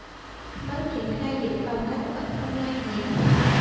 mới triển khai dự phòng các bệnh không lây nhiễm